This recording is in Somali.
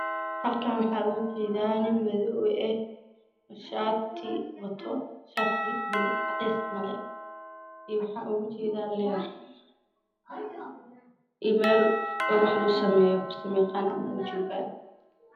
Meesha muxuu taagan nin ninkaas oo qabo shaati buluuga waxaana ka dambeysa y matoor timiso waa buuq